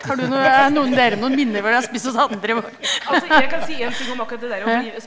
har du noe noen av dere noen minner hvor dere har spist hos andre hvor ja.